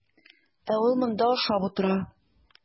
Ә ул монда ашап утыра.